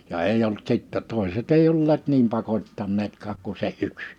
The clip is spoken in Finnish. ja ei ollut sitten toiset ei olleet niin pakottaneetkaan kuin se yksi